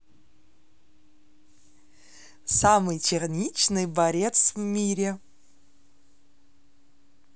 самый черничный борец в мире